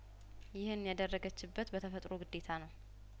ይህን ያደረገችበት በተፈጥሮ ግዴታ ነው